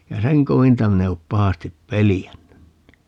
ja sen kovinta minä en ole pahasti pelännyt niin